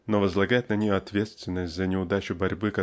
но возлагать на нее ответственность за неудачу борьбы